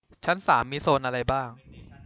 ชั้นสามมีโซนอะไรบ้าง